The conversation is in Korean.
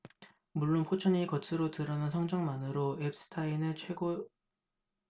물론 포천이 겉으로 드러난 성적만으로 엡스타인을 세계 최고 지도자로 꼽은 건 아니다